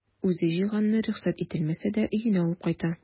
Үзе җыйганны рөхсәт ителмәсә дә өенә алып кайта.